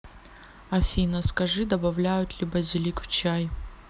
афина скажи добавляют ли базилик в чай